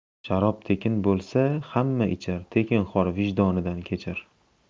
sharob tekin bo'lsa hamma ichar tekinxo'r vijdonidan kechar